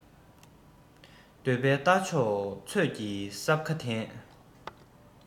འདོད པའི རྟ མཆོག ཚོད ཀྱིས སྲབ ཁ འཐེན